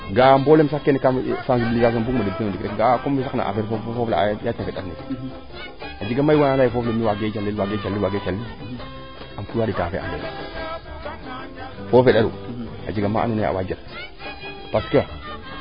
ndaa mboolem keene sax keene kaa fiya den ga'a a koomala te saq na affaire goob le jega mayu waana leyaye foof le waage calel waage calel foof le a jega ma ando naye a waa jamb parce que